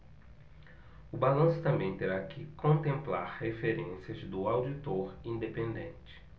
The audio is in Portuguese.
o balanço também terá que contemplar referências do auditor independente